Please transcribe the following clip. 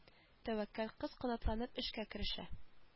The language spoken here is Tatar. Тәвәккәл кыз канатланып эшкә керешә